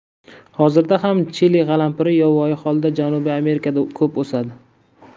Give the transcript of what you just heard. hozirda ham chili qalampiri yovvoyi holda janubiy amerikada ko'p o'sadi